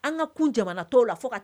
An ka kun jamana tɔw la fo